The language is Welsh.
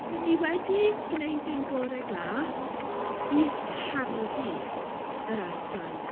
Dan ni wedi gwneud ein gorau glas i harddu'r ardal.